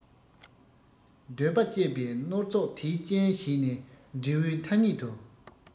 འདོད པ སྤྱད པས མནོལ བཙོག དེས རྐྱེན བྱས ནས འབྲས བུའི ཐ སྙད དུ